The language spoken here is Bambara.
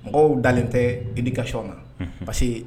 Mɔgɔw dalen tɛ éducation na parce que